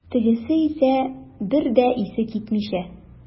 Тегесе исә, бер дә исе китмичә.